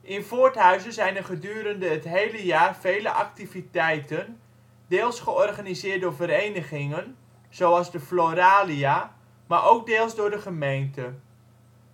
In Voorthuizen zijn er gedurende het hele jaar vele activiteiten, deels georganiseerd door verenigingen, zoals de Floralia, maar ook deels door de gemeente.